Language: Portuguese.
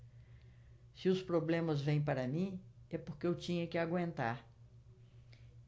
se os problemas vêm para mim é porque eu tinha que aguentar